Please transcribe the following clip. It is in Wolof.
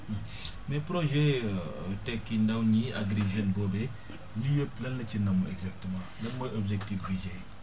mais projet tekki ndaw ñi Agri Jeunes boobee lii yëpp lan la si mën exactement lan mooy objectif visé